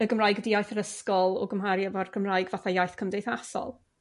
y Gymraeg ydi iaith yr ysgol o gymharu efo'r Cymraeg fatha iaith cymdeithasol?